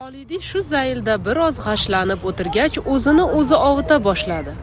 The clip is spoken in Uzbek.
xolidiy shu zaylda bir oz g'ashlanib o'tirgach o'zini o'zi ovuta boshladi